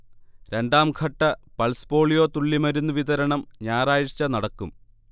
രണ്ടാംഘട്ട pulse polio തുള്ളിമരുന്ന് വിതരണം ഞാറാഴ്ച നടക്കും